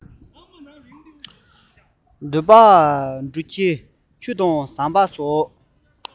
འདོད པ སྒྲུབ ཕྱིར ཆུ དང ཟམ སོགས སྤྲུལ